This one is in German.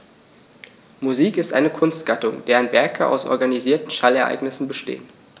Musik ist eine Kunstgattung, deren Werke aus organisierten Schallereignissen bestehen.